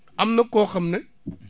am na koo xam ne